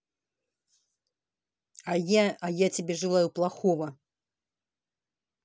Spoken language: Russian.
а я а я тебя желаю плохого